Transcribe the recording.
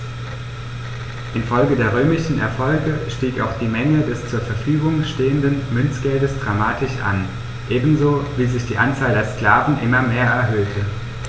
Infolge der römischen Erfolge stieg auch die Menge des zur Verfügung stehenden Münzgeldes dramatisch an, ebenso wie sich die Anzahl der Sklaven immer mehr erhöhte.